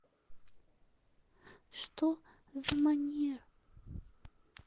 что за манера